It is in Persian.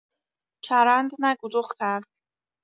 چرند نگو دختر